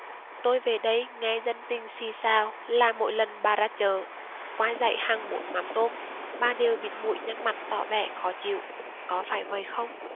tôi về đây nghe dân tình xì xào là mỗi lần bà ra chợ qua dãy hàng bún mắm tôm bà đều bịt mũi nhăn mặt tỏ vẻ khó chịu có phải vậy không